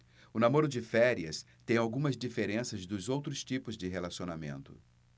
o namoro de férias tem algumas diferenças dos outros tipos de relacionamento